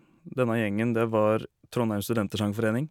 Denne gjengen det var Trondheim Studentersangforening.